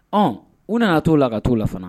Ɔ u nana t'o la ka t'o la fana